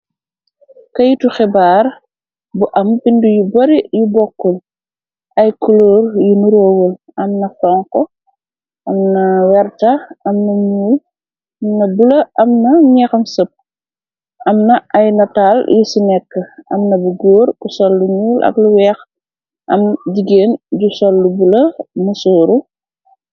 Keyitu xebaar bu am bind yu bare yu bokkul ay culor, yu nuróowal. Amna xonxo, amna werta, am na bula, am na ñeexam sëp. Amna ay nataal yi ci nekk, amna ku góore ku sol lu nul ak lu weex am jigéen ju sol lu bula musooru.